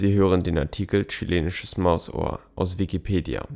hören den Artikel Chilenisches Mausohr, aus Wikipedia